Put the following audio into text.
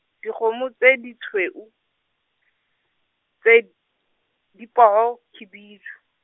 dikgomo tse ditshweu, tse, di poo, khibidu.